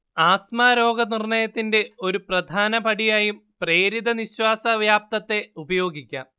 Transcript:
asthma രോഗനിർണയത്തിന്റെ ഒരു പ്രധാന പടിയായും പ്രേരിത നിശ്വാസ വ്യാപ്തത്തെ ഉപയോഗിക്കാം